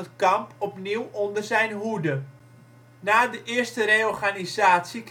kamp opnieuw onder zijn hoede. Na de eerste reorganisatie